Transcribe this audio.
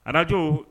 Araj